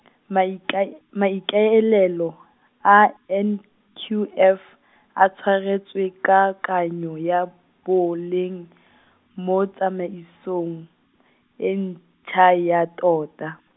maikae-, maikaelelo, a N Q F, a tshwaretswe kakanyo ya boleng , mo tsamaisong, e ntsha ya tota.